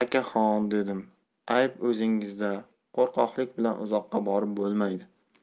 akaxon dedim ayb o'zingizda qo'rqoqlik bilan uzoqqa borib bo'lmaydi